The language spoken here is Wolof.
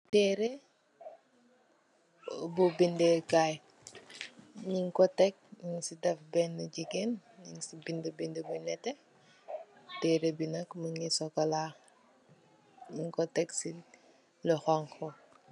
Teré bu bindé kay ñing ko tèk ñing ci taf benna jigeen, ñing ci bindi bindi bu netteh. Teré bi nak mugii sokola ñing ko tèk fu netteh.